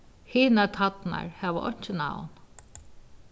hinar tærnar hava einki navn